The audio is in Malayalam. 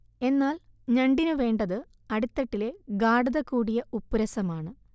എന്നാൽ ഞണ്ടിനു വേണ്ടത് അടിത്തട്ടിലെ ഗാഢത കൂടിയ ഉപ്പുരസമാണ്